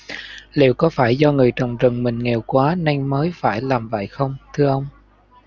liệu có phải do người trồng rừng mình nghèo quá nên mới phải làm vậy không thưa ông